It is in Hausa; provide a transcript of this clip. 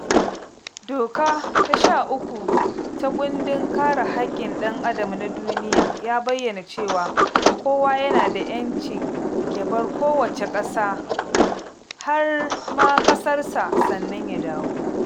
Doka ta 13 ta Kundin Kare Haƙƙin Dan Adam na Duniya ya bayyana cewa "Kowa yana da 'yancin ya bar kowacce ƙasa har ma ƙasarsa, sannan ya dawo".